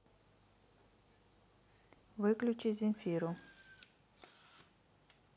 выключи земфиру